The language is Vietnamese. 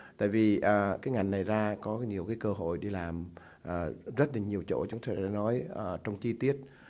tại vì à cái ngành này ra có nhiều cái cơ hội đi làm ở rất nhiều chỗ chúng ta đã nói trong chi tiết